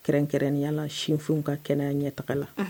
Kɛrɛnkɛrɛnya sinfinw ka kɛnɛya ɲɛ taga la